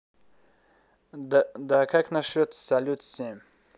да как насчет салют семь